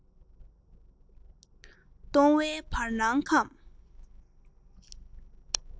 སྟོང བའི བར སྣང ཁམས